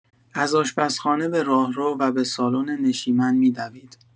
از آشپزخانه به راهرو و به سالن نشیمن می‌دوید.